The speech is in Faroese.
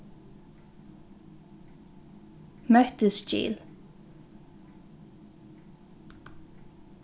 møttisgil